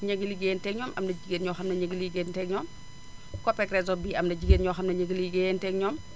ña ngi ligéeyanteeg ak ñoom am na jigéen ñoo xam ne ni ñi ngi ligéeyanteeg ñoom Copeg Resog bi am na jigéen ñoo xam ne ñi ngi ligéeyanteeg ñoom